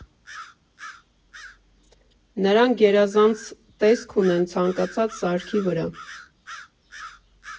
Նրանք գերազանց տեսք ունեն ցանկացած սարքի վրա։